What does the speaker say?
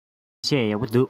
ཡག པོ འདུག